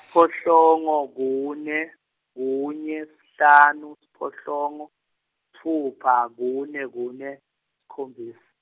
phohlongo, kune, kunye, sihlanu, siphohlongo, sitfupha, kune, kune, sikhombis-.